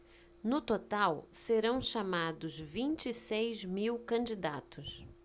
no total serão chamados vinte e seis mil candidatos